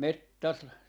--